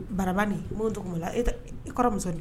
Baraban ni' tun la e kɔrɔ muso